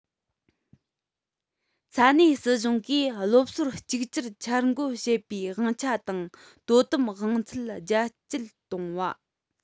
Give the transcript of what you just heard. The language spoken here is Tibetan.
ས གནས སྲིད གཞུང གིས སློབ གསོར གཅིག གྱུར འཆར འགོད བྱེད པའི དབང ཆ དང དོ དམ དབང ཚད རྒྱ སྐྱེད གཏོང བ